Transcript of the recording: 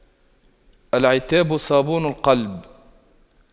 العتاب صابون القلب